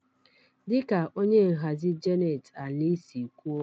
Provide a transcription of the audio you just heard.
Dị ka onye nhazi Jannat Ali si kwuo: